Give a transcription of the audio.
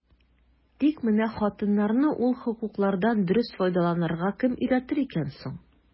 Тик менә хатыннарны ул хокуклардан дөрес файдаланырга кем өйрәтер икән соң?